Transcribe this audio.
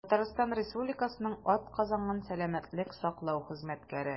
«татарстан республикасының атказанган сәламәтлек саклау хезмәткәре»